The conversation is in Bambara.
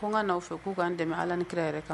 Ko' ka n'aw fɛ k'u' kan dɛmɛ ala ni kira yɛrɛ kan